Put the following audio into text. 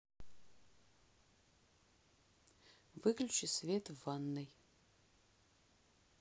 выключи свет в ванной